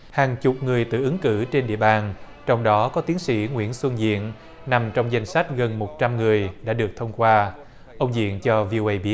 hàng chục người tự ứng cử trên địa bàn trong đó có tiến sĩ nguyễn xuân diện nằm trong danh sách gần một trăm người đã được thông qua ông diện cho vi ô ây biết